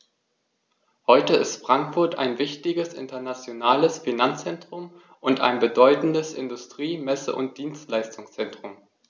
Heute ist Frankfurt ein wichtiges, internationales Finanzzentrum und ein bedeutendes Industrie-, Messe- und Dienstleistungszentrum.